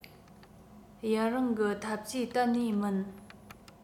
ཡུན རིང གི ཐབས ཇུས གཏན ནས མིན